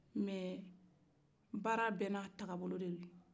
mɛ baara bɛɛ n'a taabolo don